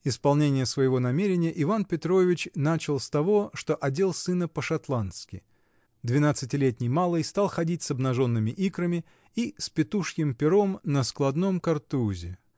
Исполнение своего намерения Иван Петрович начал с того, что одел сына по-шотландски: двенадцатилетний малый стал ходить с обнаженными икрами и с петушьим пером на окладном картузе